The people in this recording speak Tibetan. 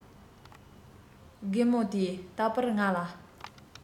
རྒན མོ དེས རྟག པར ང ལ